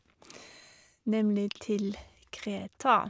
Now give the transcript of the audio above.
Nemlig til Kreta.